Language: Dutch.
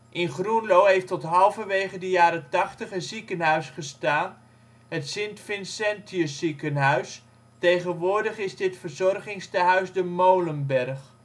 In Groenlo heeft tot halverwege de jaren tachtig een ziekenhuis gestaan, het Sint Vincentius Ziekenhuis. Tegenwoordig is dit het verzorgingstehuis De Molenberg